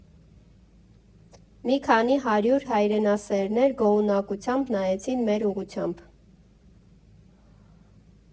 Մի քանի հարյուր հայրենասերներ գոհունակությամբ նայեցին մեր ուղղությամբ։